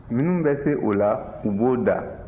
minnu bɛ se o la u b'o da